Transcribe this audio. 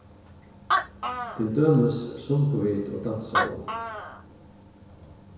til dømis sungu vit og dansaðu